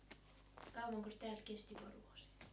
kauankos täältä kesti Porvooseen